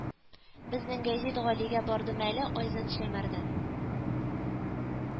Безнең гәҗит Галигә бардым әле Айзат ШӘЙМӘРДӘН